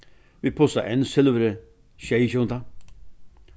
vit pussa enn silvurið sjeyogtjúgunda